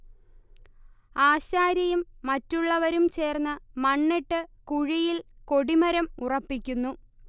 ആശാരിയും മറ്റുള്ളവരും ചേർന്ന് മണ്ണിട്ട് കുഴിയിൽ കൊടിമരം ഉറപ്പിക്കുന്നു